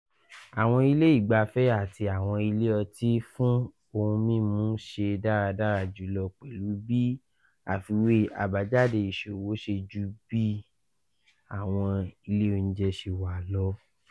Àwọn ilé ìgbafẹ́ àti àwọn ilé ọtí fún ohun-mímu ṣe dáradára jùlọ pẹ̀lu bí àfiwé àbájáàde ìṣòwò ṣe ju bí àwọn ilé óùnjẹ ṣe wá lọ.